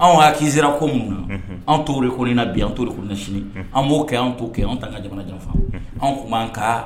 anw y'a k'i serara ko minnu na anw too de ko na bi an too de ko na sini an b'o kɛ yan to kɛ anw ta ka jamana janfa anw tun'an ka